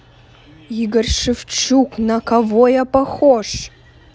игорь шевчук на кого я похож